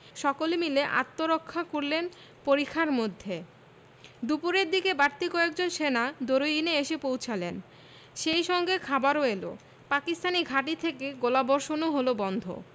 সকলে মিলে আত্মরক্ষা করলেন পরিখার মধ্যে দুপুরের দিকে বাড়তি কয়েকজন সেনা দরুইনে এসে পৌঁছালেন সেই সঙ্গে খাবারও এলো পাকিস্তানি ঘাঁটি থেকে গোলাবর্ষণও হলো বন্ধ